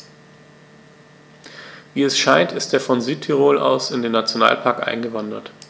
Wie es scheint, ist er von Südtirol aus in den Nationalpark eingewandert.